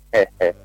Un